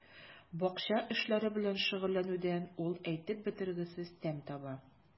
Бакча эше белән шөгыльләнүдән ул әйтеп бетергесез тәм таба.